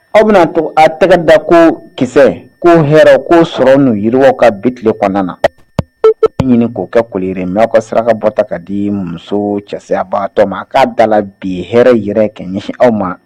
Aw bɛna t'a tɛgɛ da ko kisɛ, ko hɛrɛ, ko sɔrɔ n'u yiriw ka bi tile kɔnɔna na, ɲini k'o kɛ koli jiri ye, n' aw ka saraka bɔta ka di muso cɛsayabatɔ ma, a k'a d'a la bi hɛrɛ yɛrɛ kɛ ɲɛsin aw ma.